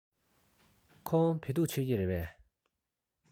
ཁོང བོད ཐུག མཆོད ཀྱི རེད པས